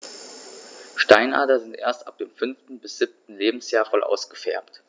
Steinadler sind erst ab dem 5. bis 7. Lebensjahr voll ausgefärbt.